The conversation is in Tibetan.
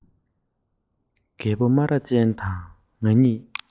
རྒད པོ སྨ ར ཅན དང ང གཉིས